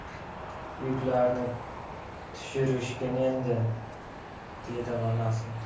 yuklarni tushirishgin dedi onasi